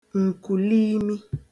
nkùlimi